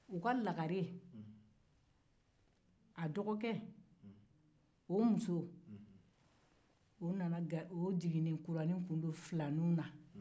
u ka lagare a dɔgɔkɛ o muso o nana ga o jiginikuranin tun do filaniw na